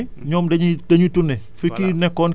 léegi bu déwénee ñoom dañuy dañuy tourné